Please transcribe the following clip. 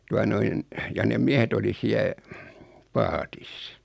tuota noin ja ne miehet oli siellä paatissa